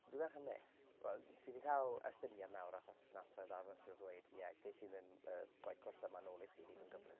Dwi'n bach yn miffed. Wel, dwi 'di cael estyniad nawr, achos wnaeth y ddarlithiwr ddweud "ie, ges i ddim y gwaith cwrs yma nôl i chi ddigon gyflym".